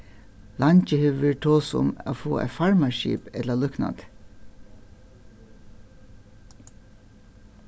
leingi hevur verið tosað um at fáa eitt farmaskip ella líknandi